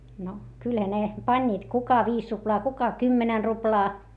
no kyllähän ne panivat kuka viisi ruplaa kuka kymmenen ruplaa